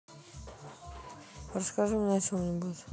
расскажи мне о чем нибудь